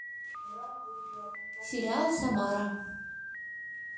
сериал самара